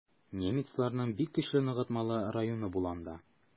Немецларның бик көчле ныгытмалы районы була анда.